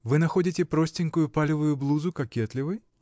— Вы находите простенькую палевую блузу кокетливой?